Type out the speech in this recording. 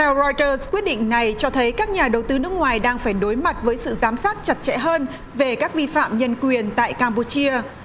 theo roi tơ quyết định này cho thấy các nhà đầu tư nước ngoài đang phải đối mặt với sự giám sát chặt chẽ hơn về các vi phạm nhân quyền tại cam bu chia